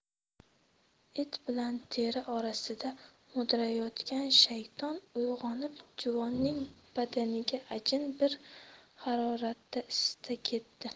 et bilan teri orasida mudrayotgan shayton uyg'onib juvonning badanini ajib bir haroratda isita ketdi